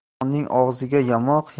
yomonning og'ziga yamoq